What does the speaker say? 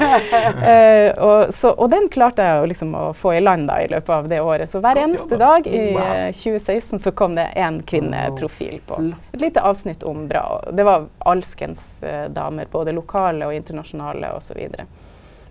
og så og den klarte eg å liksom å få i land då i løpet av det året, så kvar einaste dag i 2016 så kom det ein kvinneprofil på eit lite avsnitt om bra og det var alskens damer både lokale og internasjonale og så vidare.